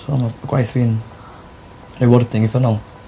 So ma' ma' gwaith fi'n rewarding uffernol.